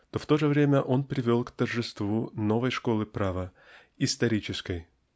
то в то же время он привел к торжеству новой школы права -- исторической.